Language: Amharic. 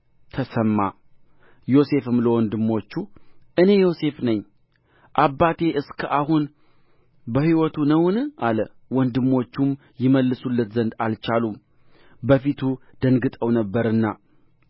ተሰማ ዮሴፍም ለወንድሞቹ እኔ ዮሴፍ ነኝ አባቴ እስከ አሁን በሕይወቱ ነውን አለ ወንድሞቹም ይመልሱለት ዘንድ አልቻሉም በፊቱ ደንግጠው ነበርና